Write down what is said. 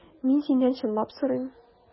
Мин синнән чынлап сорыйм.